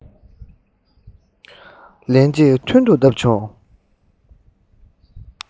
ལན གཅིག མཐུན དུ བཏབ བྱུང